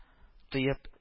Тоеп